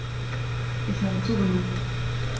Ich habe zugenommen.